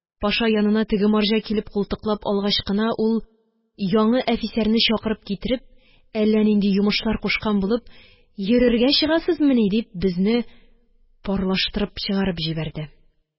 Паша янына теге марҗа килеп култыклап алгач кына, ул, яңы әфисәрне чакырып китереп, әллә нинди йомышлар кушкан булып: «Йөрергә чыгасызмыни?» – дип, безне парлаштырып чыгарып җибәрде.